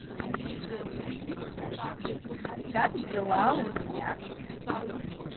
как дела у меня